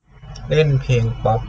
เล่นเพลงป๊อป